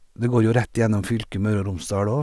Det går jo rett gjennom fylket Møre og Romsdal òg.